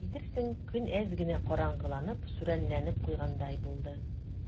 Әйтерсең, көн әз генә караңгыланып, сүрәнләнеп куйгандай булды.